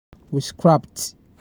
We scrapped.